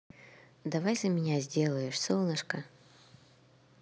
давай за меня сделаешь солнышко